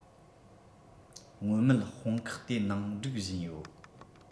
སྔོན མེད དཔུང ཁག དེ ནང སྒྲིག བཞིན